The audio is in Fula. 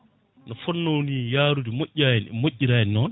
no fonno ni yaarude moƴƴani moƴƴirani noon